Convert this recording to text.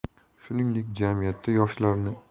shuningdek jamiyatda yoshlarni